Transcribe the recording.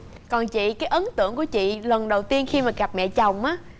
còn chị cái ấn tượng của chị lần đầu tiên khi mà gặp mẹ chồng ớ